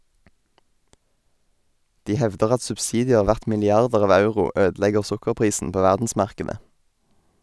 De hevder at subsidier verdt milliarder av euro ødelegger sukkerprisen på verdensmarkedet.